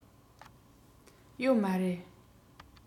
ཡོད མ རེད